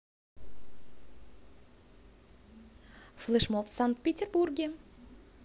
флэшмоб в санкт петербурге